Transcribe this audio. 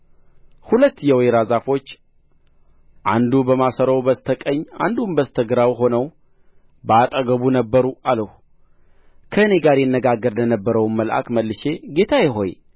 ሁለት የወይራ ዛፎች አንዱ በማሰሮው በስተ ቀኝ አንዱም በስተ ግራው ሆነው በአጠገቡ ነበሩ አልሁ ከእኔ ጋር ይነጋገር ለነበረውም መልአክ መልሼ ጌታዬ ሆይ